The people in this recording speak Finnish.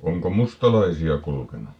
onko mustalaisia kulkenut